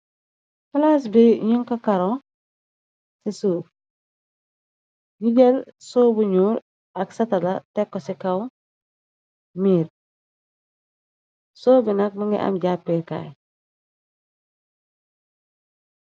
Plaas bi nun ko karon ci suuf. Nyu dél soobu nuur ak sata la tekko ci kaw miir. Sóobi nag mëngi am jàppeekaay.